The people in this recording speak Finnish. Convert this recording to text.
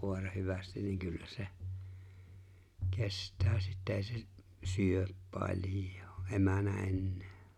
koira hyvästi niin kyllä se kestää sitten ei se syö paljoa emänä enää